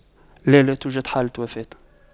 لا لا توجد حالة وفاة